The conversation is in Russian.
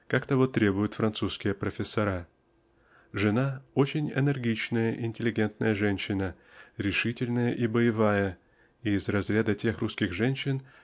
как того требуют французские профессора. Жена -- очень энергичная интеллигентная женщина решительная и боевая из разряда тех русских женщин